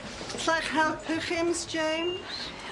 'Llai'ch helpu chi Miss James?